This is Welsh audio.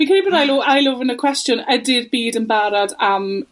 Fi credu bo' ail o- ail ofyn y cwestiwn, ydi'r byd yn barod am...